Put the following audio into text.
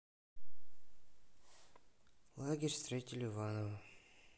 лагерь строитель иваново